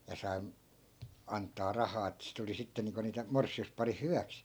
ja sai antaa rahaa että sitten oli sitten niin kuin niitä morsiusparin hyväksi